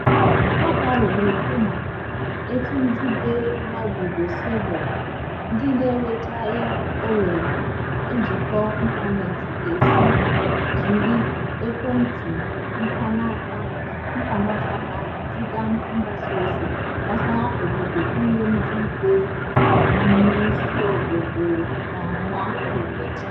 Na vidiyo a, Boukary na-ekwu maka etú ndị bi n'obodo Ségou, ndị na-enwechaghị ohere njịkọ ịntaneetị ga-esi jiri ekwentị mkpanaaka ha ziga mgbasaozi gbasara obodo nye ndị bi n'isiobodo Bamako.